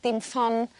dim ffon